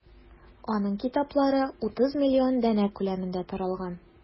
Аның китаплары 30 миллион данә күләмендә таралган.